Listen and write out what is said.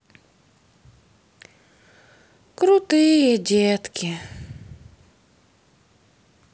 крутые детки